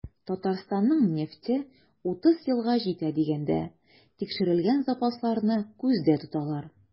Татарстанның нефте 30 елга җитә дигәндә, тикшерелгән запасларны күздә тоталар.